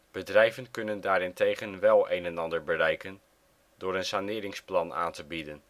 Bedrijven kunnen daarentegen wel een en ander bereiken, door een saneringsplan aan te bieden